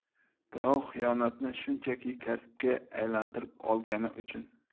birov xiyonatni shunchaki kasbga aylantirib olgani uchun